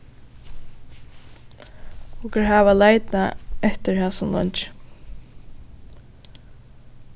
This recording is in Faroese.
okur hava leitað eftir hasum leingi